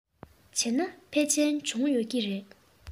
བྱས ན ཕལ ཆེར བྱུང ཡོད ཀྱི རེད